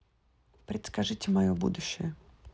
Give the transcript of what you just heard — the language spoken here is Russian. предскажите мое будущее